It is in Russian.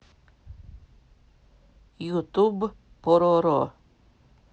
ютуб пороро